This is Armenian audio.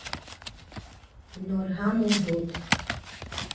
Նոր համ ու հոտ։